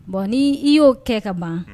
Bɔn i y'o kɛ ka ban